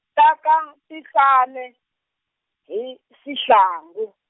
ta ka Mpisane, hi, Sihlangu.